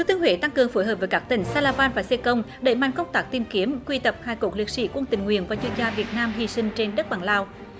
thừa thiên huế tăng cường phối hợp với các tỉnh sa la van và sê công đẩy mạnh công tác tìm kiếm quy tập hài cốt liệt sỹ quân tình nguyện và chuyên gia việt nam hy sinh trên đất bạn lào